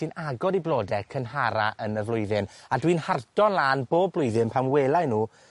sy'n agor 'i blode cynhara yn y flwyddyn, a dwi'n harto lân bob blwyddyn pan welai nw